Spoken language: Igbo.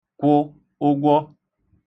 kwụ ụgwọ